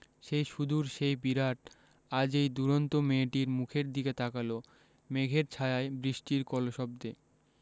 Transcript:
সেই সুদূর সেই বিরাট আজ এই দুরন্ত মেয়েটির মুখের দিকে তাকাল মেঘের ছায়ায় বৃষ্টির কলশব্দে